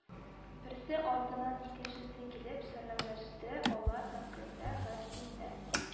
Берсе артыннан икенчесе килеп Сәламләште алар һәр көндә, һәр төндә